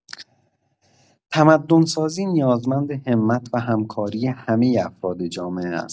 تمدن‌سازی نیازمند همت و همکاری همه افراد جامعه است.